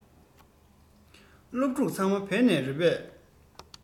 སློབ ཕྲུག ཚང མ བོད ནས རེད པས